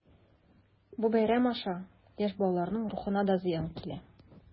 Бу бәйрәм аша яшь балаларның рухына да зыян килә.